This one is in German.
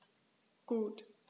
Gut.